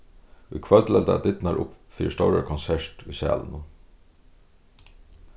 í kvøld lata dyrnar upp fyri stórari konsert í salinum